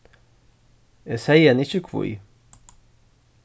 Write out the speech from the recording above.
eg segði henni ikki hví